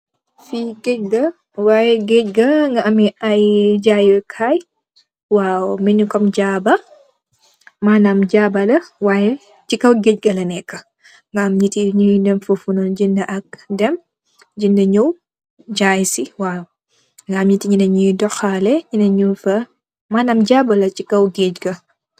Fi géejga waaye géejga nga ami ay jaayu kaay waaw mëñu kam jaaba manam jaaba la waye ci kaw géejga la nekk nga am ñiti ñuy dem fafunul jind ak dem jind ñëw jaay si waaw nga am ñiti ñina ñuy doxale nyenen nugfa mànam jaabala ci kaw géejga.